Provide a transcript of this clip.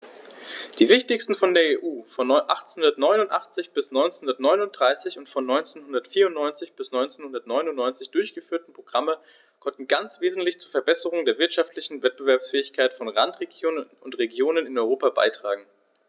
Die wichtigsten von der EU von 1989 bis 1993 und von 1994 bis 1999 durchgeführten Programme konnten ganz wesentlich zur Verbesserung der wirtschaftlichen Wettbewerbsfähigkeit von Randregionen und Regionen in Europa beitragen.